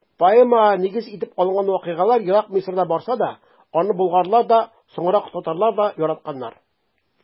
Поэмага нигез итеп алынган вакыйгалар ерак Мисырда барса да, аны болгарлар да, соңрак татарлар да яратканнар.